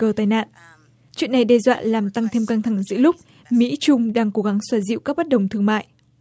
tai nạn chuyện này đe dọa làm tăng thêm căng thẳng giữa lúc mĩ trung đang cố gắng xoa dịu các bất đồng thương mại